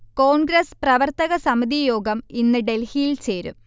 കോൺഗ്രസ് പ്രവർത്തക സമിതി യോഗം ഇന്ന് ഡൽഹിയിൽ ചേരും